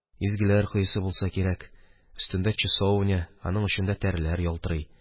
Изгеләр коесы булса кирәк – өстендә часовня, аның очында тәреләр ялтырый